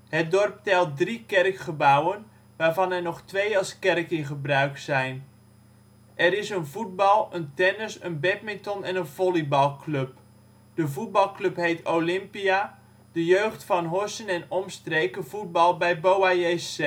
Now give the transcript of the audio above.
Het dorp telt drie kerkgebouwen, waarvan er nog twee als kerk in gebruik zijn. Er is een voetbal -, een tennis -, een badminton - en een volleybalclub. De voetbalclub heet Olympia. De jeugd van Horssen en omstreken voetbalt bij Boa-jc.